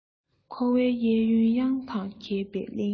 འཁོར བའི གཡས གཡོན གཡང དང གད པའི གླིང